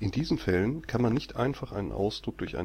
diesen Fällen kann man nicht einfach einen Ausdruck durch